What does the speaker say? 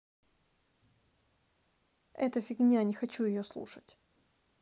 это фигня не хочу ее слушать